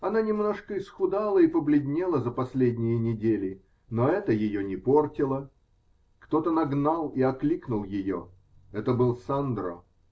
Она немножко исхудала и побледнела за последние недели, но это ее не портило. Кто-то нагнал и окликнул ее. Это был Сандро.